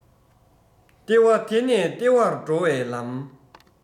ལྟེ བ དེ ནས ལྟེ བར འགྲོ བའི ལམ